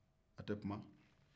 a tɛ kuma